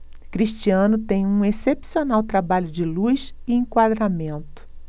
cristiano tem um excepcional trabalho de luz e enquadramento